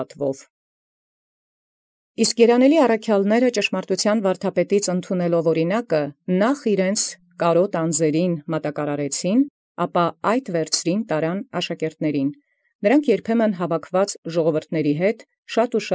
Իսկ երանելի առաքելոցն ընկալեալ ի վարդապետութենէ ճշմարտութեանն, նախ կարաւտական անձանցն մատակարարէին, և ապա աշակերտացն բարձեալ տանէին. երբեմն առանձինն՝ և երբեմն ժողովրդովքն գումարելովք՝